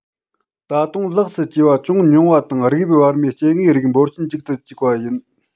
ད དུང ལེགས སུ བཅོས པ ཅུང ཉུང བ དང རིགས དབྱིབས བར མའི སྐྱེ དངོས རིགས འབོར ཆེན འཇིག ཏུ འཇུག པ ཡིན